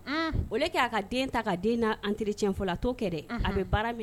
A ka den ta den an terifɔ la to a bɛ